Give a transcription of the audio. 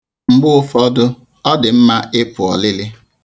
Mgbe ụfọdụ, ọ dị mma ịpụ ọlịlị.